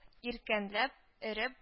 Иркәнләп эреп